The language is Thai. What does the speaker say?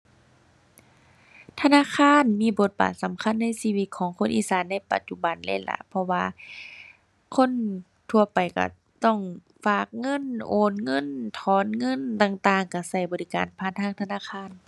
ธนาคารมีบทบาทสำคัญในชีวิตของคนอีสานในปัจจุบันเลยล่ะ เพราะว่าคนทั่วไปก็ต้องฝากเงิน โอนเงิน ถอนเงินต่างต่าง ก็ก็บริการผ่านทางธนาคาร